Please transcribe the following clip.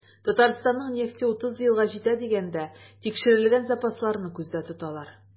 Татарстанның нефте 30 елга җитә дигәндә, тикшерелгән запасларны күздә тоталар.